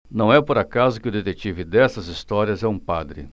não é por acaso que o detetive dessas histórias é um padre